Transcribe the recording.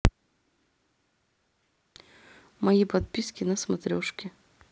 мои подписки на смотрешке